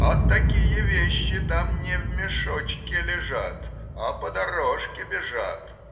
а такие вещи там не в мешочке лежат, а по дорожке бежат.